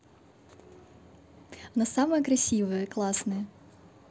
она самая красивая классное